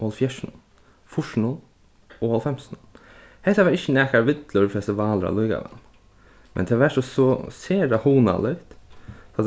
og hálvfjerðsunum fýrsunum og hálvfemsunum hetta var ikki nakar villur festivalur allíkavæl men tað var so so sera hugnaligt